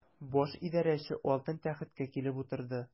Баш идарәче алтын тәхеткә килеп утырды.